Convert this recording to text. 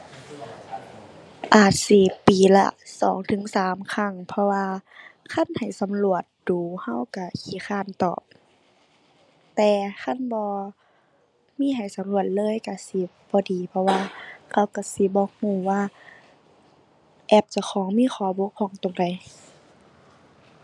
อาจสิปีละสองถึงสามครั้ง เพราะว่าคันให้สำรวจดู๋เราเราขี้คร้านตอบ แต่คันบ่มีให้สำรวจเลยเราสิบ่ดี เพราะว่าเขาเราสิบ่เราว่าแอปเจ้าของมีข้อบกพร่องตรงใด